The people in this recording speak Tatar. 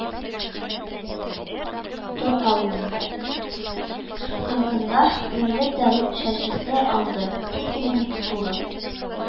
Тур калкында, үрелеп дару шешәсе алды, тиз генә микстура